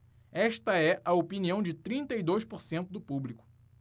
esta é a opinião de trinta e dois por cento do público